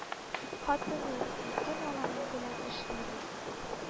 Хатыным, ике малаем белән эшлибез